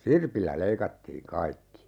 sirpillä leikattiin kaikki